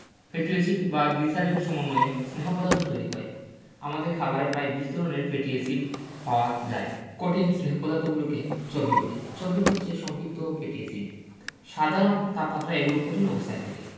fatty acid এবং গ্লিসারলের সমন্বয়ে স্নেহ পদার্থ তৈরি হয় আমাদের খাবারে প্রায় ২০ ধরনের ফ্যাটি এসিড পাওয়া যায় কঠিন স্নেহ পদার্থগুলোকে চর্বি বলে চর্বি হচ্ছে সম্পৃক্ত ফ্যাটি এসিড সাধারণ তাপমাত্রায় এগুলো কঠিন অবস্থায় থাকে